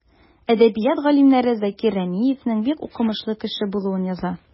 Әдәбият галимнәре Закир Рәмиевнең бик укымышлы кеше булуын яза.